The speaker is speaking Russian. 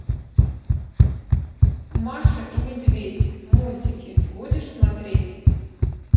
маша и медведь мультики будешь смотреть